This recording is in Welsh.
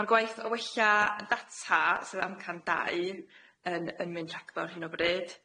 Ma'r gwaith o wella data sydd amcan dau yn yn mynd rhagfawr hyn o bryd.